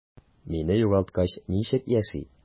Мине югалткач, ничек яши?